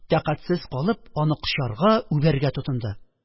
Тәкатьсез калып, аны кочарга-үбәргә тотынды.